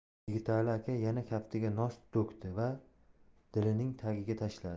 yigitali aka yana kaftiga nos to'kdi da tilining tagiga tashladi